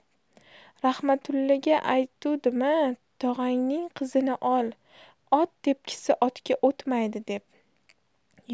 rahmatullaga aytuvdim a tog'angning qizini ol ot tepkisi otga o'tmaydi deb